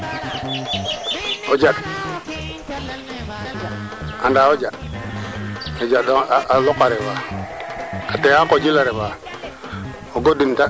tarma le na godaa taxar ke tarmba taxara godaa o bug naanga xooxa o daawa nga mbafit ne o njasin fo xelaar